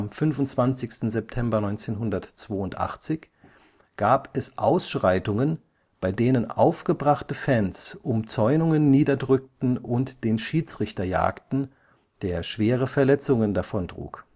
25. September 1982 gab es Ausschreitungen, bei denen aufgebrachte Fans Umzäunungen niederdrückten und den Schiedsrichter jagten, der schwere Verletzungen davontrug